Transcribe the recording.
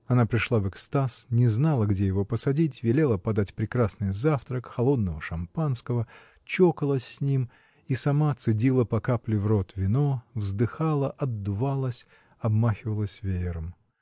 Она пришла в экстаз, не знала, где его посадить, велела подать прекрасный завтрак, холодного шампанского, чокалась с ним и сама цедила по капле в рот вино, вздыхала, отдувалась, обмахивалась веером.